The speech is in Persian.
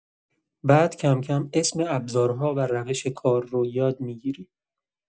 بعد کم‌کم اسم ابزارها و روش کار رو یاد می‌گیری.